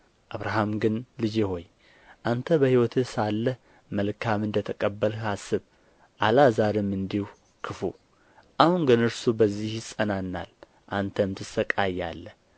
አብርሃም ግን ልጄ ሆይ አንተ በሕይወትህ ሳለህ መልካም እንደ ተቀበልህ አስብ አልዓዛርም እንዲሁ ክፉ አሁን ግን እርሱ በዚህ ይጽናናል አንተም ትሣቀያለህ